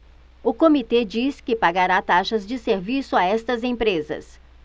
o comitê diz que pagará taxas de serviço a estas empresas